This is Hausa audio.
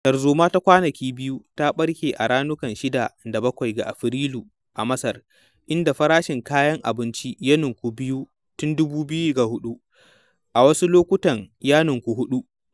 Tarzoma ta kwanaki biyu ta ɓarke a ranakun 6 da 7 ga Afrilu a Masar, inda farashin kayan abinci ya ninku biyu tun 2004 (a wasu lokutan ya ninku huɗu).